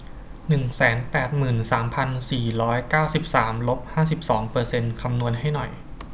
หนึ่งแสนแปดหมื่นสามพันสี่ร้อยเก้าสิบสามลบห้าสิบสองเปอร์เซนต์คำนวณให้หน่อย